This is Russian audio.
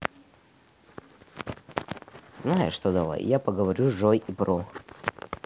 знаешь что давай я поговорю с джой и про